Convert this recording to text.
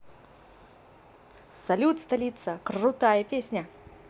салют столица крутая песня